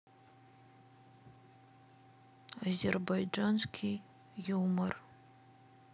азербайджанский юмор